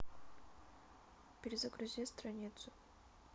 перезагрузи страницу